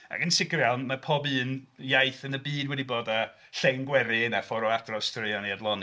Ag yn sicr iawn mae pob un iaith yn y byd wedi bod â llên gwerin a ffordd o adrodd straeon i adloni.